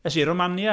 Es i i Romania.